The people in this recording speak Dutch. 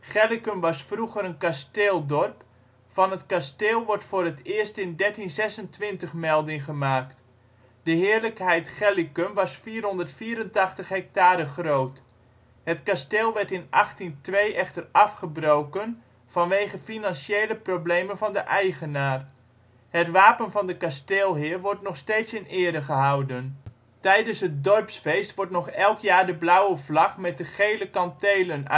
Gellicum was vroeger een kasteeldorp, van het kasteel wordt voor het eerst in 1326 melding gemaakt. De heerlijkheid Gellicum was 484 hectare groot. Het kasteel werd in 1802 echter afgebroken vanwege financiële problemen van de eigenaar. Het wapen van de kasteelheer wordt nog steeds in ere gehouden. Tijdens het dorpsfeest wordt nog elk jaar de blauwe vlag met de gele kantelen uitgehangen